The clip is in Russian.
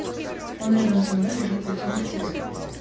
он рядом со мной лежит лицом к тебе